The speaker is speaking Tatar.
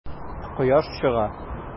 Кояш чыга.